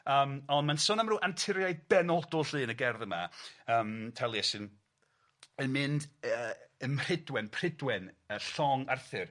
Yym ond ma'n sôn am ryw anturiau benodol, 'lly, yn y gerdd yma yym Taliesin yn mynd yy ym Mhridwen, Pridwen, yy llong Arthur.